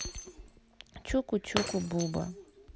чуку чуку буба